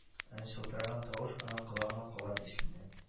Чылтыраган тавыш аның колагына кабат ишелде